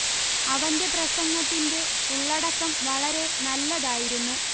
അവന്റെ പ്രസംഗത്തിന്റെ ഉള്ളടക്കം വളരെ നല്ലതായിരുന്നു